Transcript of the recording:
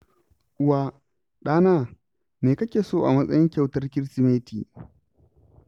Uwa: ɗana, me kake so a matsayin kyautar Kirsimeti?